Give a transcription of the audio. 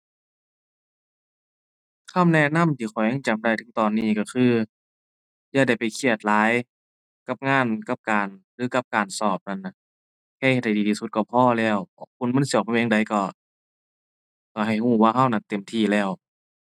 คำแนะนำที่ข้อยยังจำได้ถึงตอนนี้ก็คือ อย่าได้ไปเครียดหลาย กับงาน กับการ หรือกับการสอบนั่นน่ะ แค่เฮ็ดให้ดีที่สุดก็พอแล้ว ผลมันสิออกมาเป็นจั่งใดก็ ก็ให้ก็ว่าก็น่ะเต็มที่แล้ว